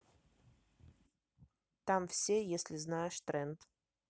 там все если знаешь тренд